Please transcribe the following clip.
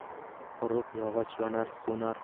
quruq yog'och yonar so'nar